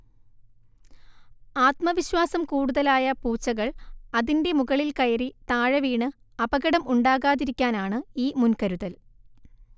ആത്മവിശ്വാസം കൂടുതലായ പൂച്ചകൾ അതിന്റെ മുകളിൽ കയറി താഴെവീണ് അപകടം ഉണ്ടാകാതിരിക്കാനാണ് ഈ മുൻകരുതൽ